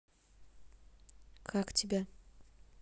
как тебя